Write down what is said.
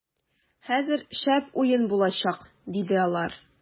- хәзер шәп уен булачак, - диде алар.